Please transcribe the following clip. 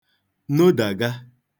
nodàga